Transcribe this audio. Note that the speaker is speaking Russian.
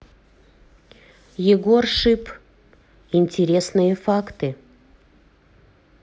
егор шип интересные факты